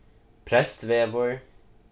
prestvegur